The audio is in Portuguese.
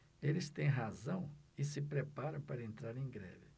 eles têm razão e se preparam para entrar em greve